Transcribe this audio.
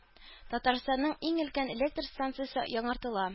Татарстанның иң өлкән электр станциясе яңартыла